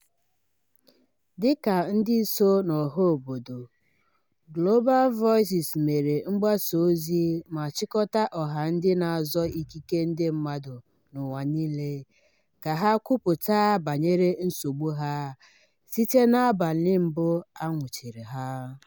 Dị ka ndị so n'ọha obodo, Global Voices mere mgbasa ozi ma chịkọta ọha ndị na-azọ ikike ndị mmadụ n'ụwa niile ka ha kwupụta banyere nsogbu ha site n'abalị mbụ a nwụchiri ha.